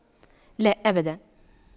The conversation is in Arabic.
لا أبدا